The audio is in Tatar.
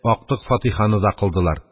Актык фатиханы да кылдылар.